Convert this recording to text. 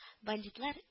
Бандитлар